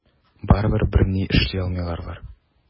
Барыбер берни эшли алмыйлар алар.